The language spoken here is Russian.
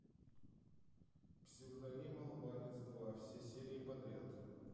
псевдоним албанец два все серии подряд